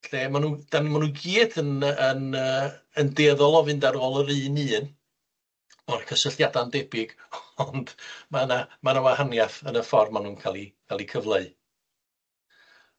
Lle ma' nw 'dan ma' nw i gyd yn yy yn yy yn dueddol o fynd ar ôl yr un un, o'r cysylltiada'n debyg, ond ma' 'na ma' 'na wahaniath yn y ffor ma nw'n ca'l 'u ca'l 'u cyfleu.